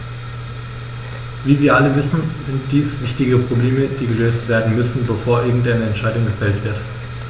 Wie wir alle wissen, sind dies wichtige Probleme, die gelöst werden müssen, bevor irgendeine Entscheidung gefällt wird.